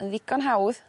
yn ddigon hawdd